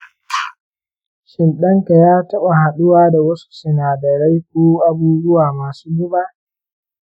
shin ɗanka ya taɓa haɗuwa da wasu sinadarai ko abubuwa masu guba?